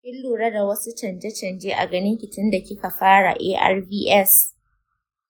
kin lura da wasu canje canje a ganinki tinda kika fara arvs?